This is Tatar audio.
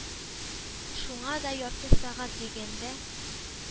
Шуңа да ярты сәгать дигәндә